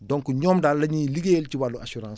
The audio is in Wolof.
donc ñoom daal la ñuy liggéeyal ci wàllu assurance